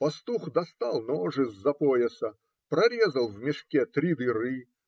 Пастух достал нож из-за пояса, прорезал в мешке три дыры